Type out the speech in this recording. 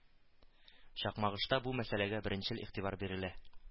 Чакмагышта бу мәсьәләгә беренчел игътибар бирелә